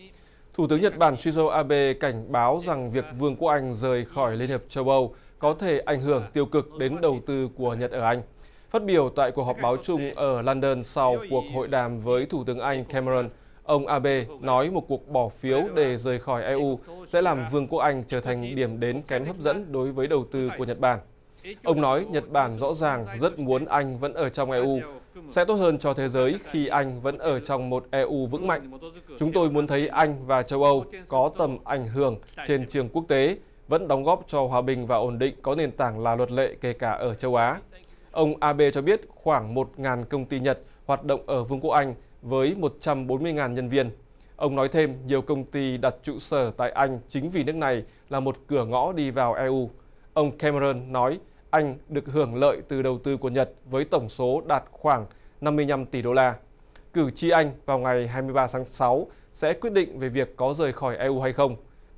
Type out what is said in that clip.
thủ tướng nhật bản sin dua a be cảnh báo rằng việc vương quốc anh rời khỏi liên hiệp châu âu có thể ảnh hưởng tiêu cực đến đầu tư của nhật ở anh phát biểu tại cuộc họp báo chung ở lăn đơn sau cuộc hội đàm với thủ tướng anh khem me rơn ông a bê nói một cuộc bỏ phiếu để rời khỏi e u sẽ làm vương quốc anh trở thành điểm đến kém hấp dẫn đối với đầu tư của nhật bản ông nói nhật bản rõ ràng rất muốn anh vẫn ở trong e u sẽ tốt hơn cho thế giới khi anh vẫn ở trong một e u vững mạnh chúng tôi muốn thấy anh và châu âu có tầm ảnh hưởng trên trường quốc tế vẫn đóng góp cho hòa bình và ổn định có nền tảng là luật lệ kể cả ở châu á ông a bê cho biết khoảng một ngàn công ty nhật hoạt động ở vương quốc anh với một trăm bốn mươi ngàn nhân viên ông nói thêm nhiều công ty đặt trụ sở tại anh chính vì nước này là một cửa ngõ đi vào e u ông khem me rơn nói anh được hưởng lợi từ đầu tư của nhật với tổng số đạt khoảng năm mươi nhăm tỷ đô la cử tri anh vào ngày hai mươi ba tháng sáu sẽ quyết định về việc có rời khỏi e u hay không